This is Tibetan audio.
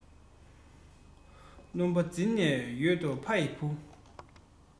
ནོམ པ འཛིར ནས ཡོད དོ ཕ ཡི བུ